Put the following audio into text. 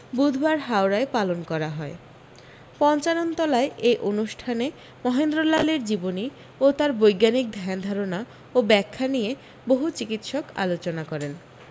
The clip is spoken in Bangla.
বুধবার হাওড়ায় পালন করা হয় পঞ্চাননতলায় এই অনুষ্ঠানে মহেন্দ্রলালের জীবনী ও তার বৈজ্ঞানিক ধ্যানধারণা ও ব্যাখ্যা নিয়ে বহু চিকিৎসক আলোচনা করেন